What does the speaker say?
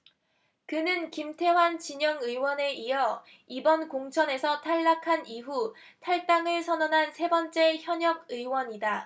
그는 김태환 진영 의원에 이어 이번 공천에서 탈락한 이후 탈당을 선언한 세 번째 현역 의원이다